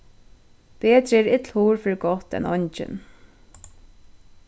betri er ill hurð fyri gátt enn eingin